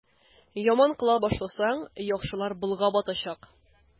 Яман кыла башласаң, яхшылар болгап атачак.